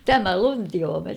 tämä luntioimet